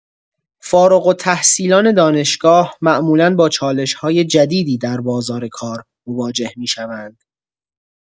فارغ‌التحصیلان دانشگاه معمولا با چالش‌های جدیدی در بازار کار مواجه می‌شوند.